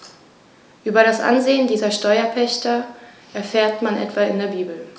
Über das Ansehen dieser Steuerpächter erfährt man etwa in der Bibel.